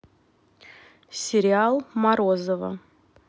сериал морозова